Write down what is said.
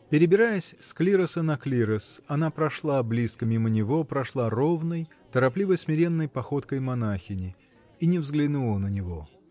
Перебираясь с клироса на клирос, она прошла близко мимо него, прошла ровной, торопливо-смиренной походкой монахини -- и не взглянула на него